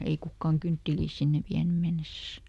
ei kukaan kyntteliä sinne vienyt mennessään